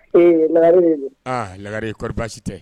Ee lagare de do, aa lagare koni baasi tɛ